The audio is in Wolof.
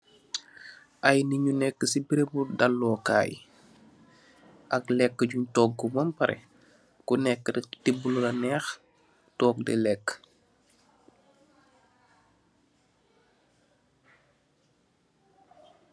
Ay nit ñju nekka ci barabi dallukai ak lèkket jun toogu bem pareh, kuneka rek timbu lula nèèx tóóg di lekka.